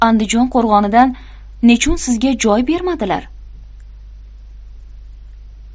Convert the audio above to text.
andijon qo'rg'onidan nechun sizga joy bermadilar